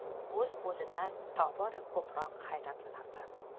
o'zi o'zidan tobora ko'proq hayratlanardi